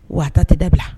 Waa ta tɛ dabila